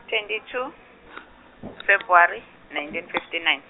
twenty two, February, nineteen fifty nine.